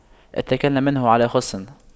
اتَّكَلْنا منه على خُصٍّ